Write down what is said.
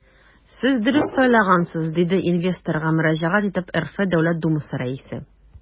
Сез дөрес сайлагансыз, - диде инвесторга мөрәҗәгать итеп РФ Дәүләт Думасы Рәисе.